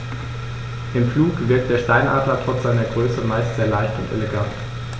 Im Flug wirkt der Steinadler trotz seiner Größe meist sehr leicht und elegant.